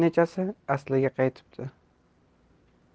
nechasi asliga qaytibdi